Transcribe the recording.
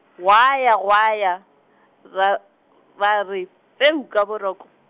gwa ya gwa ya, ra, ra re, feu ka boroko.